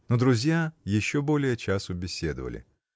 Но друзья еще более часу беседовали.